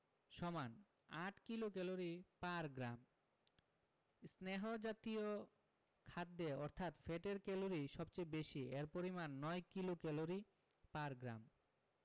সমান ৮ kilocalorie per gram স্নেহ জাতীয় খাদ্যে অর্থাৎ ফ্যাটের ক্যালরি সবচেয়ে বেশি এর পরিমান ৯ কিলোক্যালরি পার গ্রাম